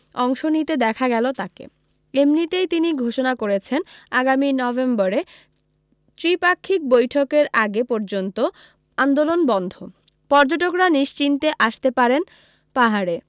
অংশ নিতে দেখা গেল তাঁকে এমনিতেই তিনি ঘোষণা করেছেন আগামী নভেম্বরে ত্রিপাক্ষিক বৈঠকের আগে পর্যন্ত আন্দোলন বন্ধ পর্যটকরা নিশ্চিন্তে আসতে পারেন পাহাড়ে